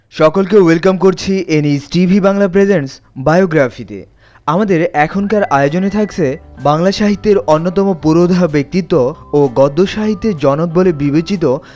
সকলকে ওয়েলকাম করছি N H T V Bangla present biography তে আমাদের এখনকার আয়োজনে থাকছে বাংলা সাহিত্যের অন্যতম পুরোধা ব্যক্তিত্ব ও গদ্য সাহিত্যের জনক বলে বিবেচিত